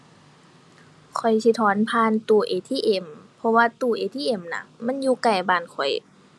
ข้อยสิถอนผ่านตู้ ATM เพราะว่าตู้ ATM น่ะ มันอยู่ใกล้บ้านข้อย